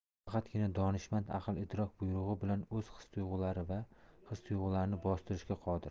faqatgina donishmand aql idrok buyrug'i bilan o'z his tuyg'ulari va his tuyg'ularini bostirishga qodir